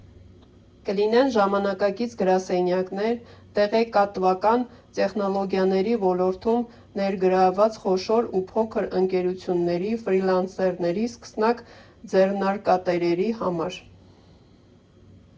Կլինեն ժամանակակից գրասենյակներ՝ տեղեկատվական տեխնոլոգիաների ոլորտում ներգրավված խոշոր և փոքր ընկերությունների, ֆրիլանսերների, սկսնակ ձեռնարկատերերի համար։